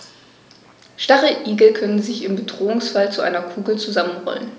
Stacheligel können sich im Bedrohungsfall zu einer Kugel zusammenrollen.